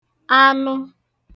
anụ